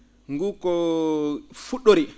nguu ko fu??ori